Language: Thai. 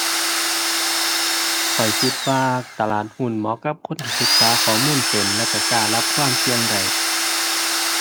ข้อยคิดว่าตลาดหุ้นเหมาะกับคนที่ศึกษาข้อมูลเป็น แล้วก็กล้ารับความเสี่ยงได้ ⁠